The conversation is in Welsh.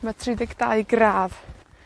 Ma' tri deg dau gradd